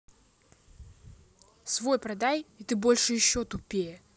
свои продай и ты больше еще тупее